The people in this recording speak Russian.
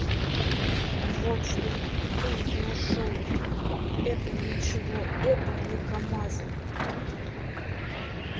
вот что ты нашел это ничего это не камазы